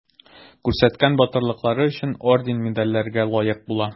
Күрсәткән батырлыклары өчен орден-медальләргә лаек була.